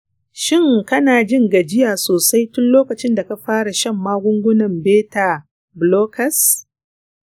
shin kana jin gajiya sosai tun lokacin da ka fara shan magungunan beta blockers?